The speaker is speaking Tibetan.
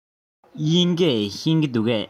དབྱིན སྐད ཤེས ཀྱི འདུག གས